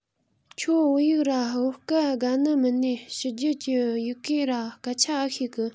ཁྱོད བོད ཡིག ར བོད སྐད དགའ ནི མིན ནས ཕྱི རྒྱལ གི ཡི གེ ར སྐད ཆ ཨེ ཤེས གི